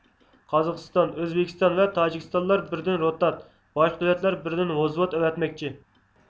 قازاقىستان ئۆزبېكىستان ۋە تاجىكىستانلار بىردىن روتا باشقا دۆلەتلەر بىردىن ۋوزۋوت ئەۋەتمەكچى